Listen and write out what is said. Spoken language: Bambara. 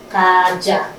Ka a diya.